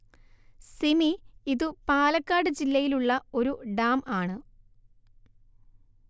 സിമി ഇതു പാലക്കാട് ജില്ലയില്‍ ഉള്ള ഒരു ഡാം ആണ്